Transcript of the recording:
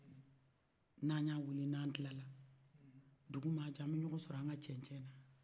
na wele n'a kilala dugumanjɛ an ɲɔgɔ sɔrɔ an ka cɛncɛn na